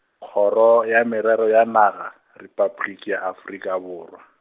Kgoro ya Merero ya Naga, Repabliki ya Afrika Borwa.